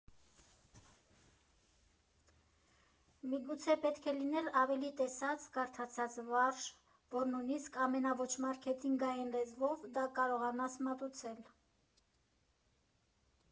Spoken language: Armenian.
Միգուցե պետք է լինել ավելի տեսած, կարդացած, վարժ, որ նույնիսկ ամենաոչմարքեթինգային լեզվով դա կարողանաս մատուցել։